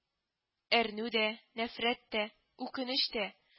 Әрнү дә, нәфрәт тә, үкенеч тә